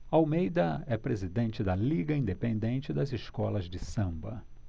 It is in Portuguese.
almeida é presidente da liga independente das escolas de samba